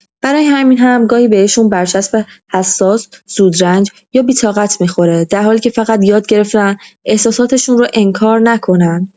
برای همین هم گاهی بهشون برچسب حساس، زودرنج یا بی‌طاقت می‌خوره، در حالی که فقط یاد گرفتن احساساتشون رو انکار نکنن.